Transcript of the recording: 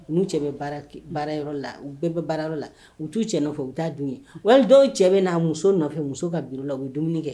N'u cɛ bɛ baara kɛ, baara yɔrɔ la u bɛɛ bɛ baara yɔrɔ la, u be t'u cɛ nɔfɛ u bɛ taa dun yen wali dɔw cɛ bɛ n'a muso nɔfɛ muso ka bureau la u bɛ dumuni kɛ.